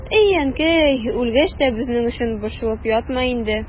И әнкәй, үлгәч тә безнең өчен борчылып ятма инде.